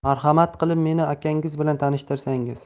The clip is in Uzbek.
marhamat qilib meni akanggiz bilan tanishtirsangiz